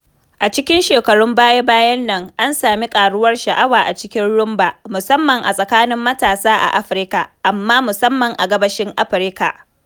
A cikin shekarun baya-bayan nan, an sami karuwar sha'awa a cikin Rhumba, musamman a tsakanin matasa a Afirka, amma musamman a Gabashin Afirka.